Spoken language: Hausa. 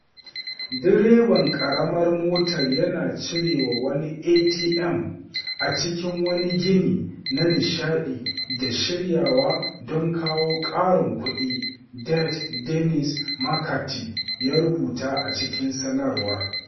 Direban ƙaramar motar yana cirewa wani ATM a cikin wani gini na nishaɗi da shiryawa don kawo ƙarin kuɗi, Det. Dennis McCarthy ya rubuta a cikin sanarwar.